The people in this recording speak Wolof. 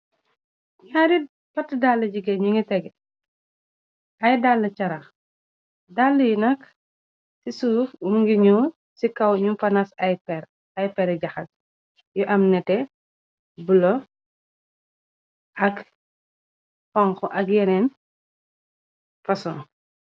Ñaari bati dalle jigeen ñu ngi tege, ay dalle carax, dalle yi nak ci suuf mi ngi ñuul ci kaw ñun fana nas ay per, ay peri jaxas yu am nete, bula ak xonxu ak yeneen fason.